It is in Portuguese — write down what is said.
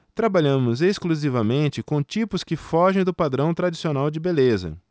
trabalhamos exclusivamente com tipos que fogem do padrão tradicional de beleza